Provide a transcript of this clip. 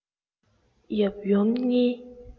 ཡབ ཡུམ གཉིས